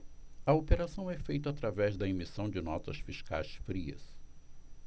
a operação é feita através da emissão de notas fiscais frias